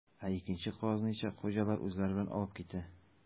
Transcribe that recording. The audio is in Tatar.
Ә икенче казны исә хуҗалар үзләре белән алып китә.